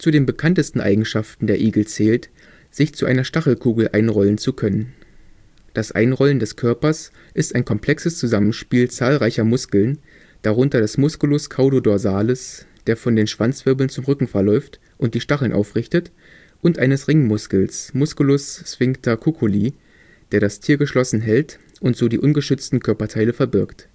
den bekanntesten Eigenschaften der Igel zählt, sich zu einer Stachelkugel einrollen zu können. Das Einrollen des Körpers ist ein komplexes Zusammenspiel zahlreicher Muskeln, darunter des Musculus caudo-dorsalis, der von den Schwanzwirbeln zum Rücken verläuft und die Stacheln aufrichtet, und eines Ringmuskels (Musculus sphincter cuculli), der das Tier geschlossen hält und so die ungeschützten Körperteile verbirgt